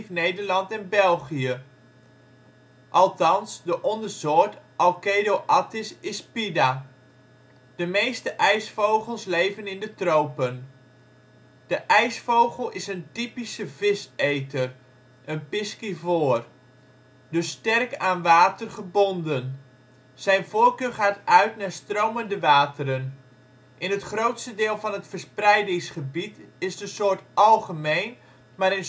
Nederland en België, althans de ondersoort Alcedo atthis ispida. De meeste ijsvogels leven in de tropen. De ijsvogel is een typische viseter (piscivoor), dus sterk aan water gebonden. Zijn voorkeur gaat uit naar stromende wateren. In het grootste deel van het verspreidingsgebied is de soort algemeen, maar